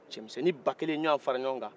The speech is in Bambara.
cɛminsɛnin ba kelen ye ɲɔgɔn fara ɲɔgɔn kan